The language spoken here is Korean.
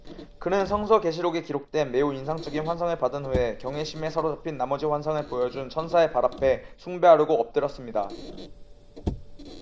그는 성서 계시록에 기록된 매우 인상적인 환상을 받은 후에 경외심에 사로잡힌 나머지 환상을 보여 준 천사의 발 앞에 숭배하려고 엎드렸습니다